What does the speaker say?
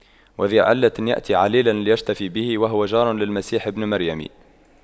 وذى علة يأتي عليلا ليشتفي به وهو جار للمسيح بن مريم